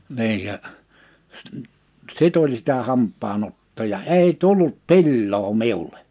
niin ja - sitä oli sitä hampaan ottoa ja ei tullut pilaa minulle